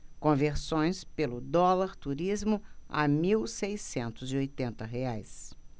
conversões pelo dólar turismo a mil seiscentos e oitenta reais